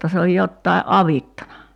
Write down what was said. jotta se on jotakin avittanut